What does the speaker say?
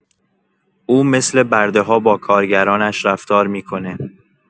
او مثل برده‌ها با کارگرانش رفتار می‌کنه